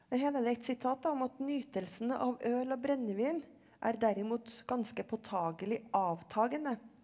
her er det et sitat da om at nytelsen av øl og brennevin er derimot ganske påtagelig avtagende.